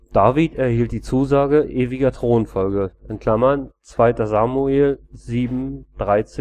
David erhielt die Zusage ewiger Thronfolge (2 Sam 7,13f